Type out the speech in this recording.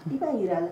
I ka jira la